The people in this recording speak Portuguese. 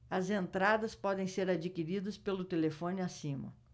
as entradas podem ser adquiridas pelo telefone acima